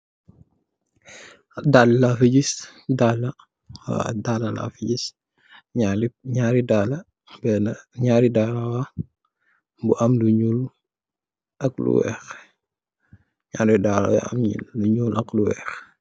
Dalla la fi gis, ñaari dalla bu am lu ñuul ak lu wèèx.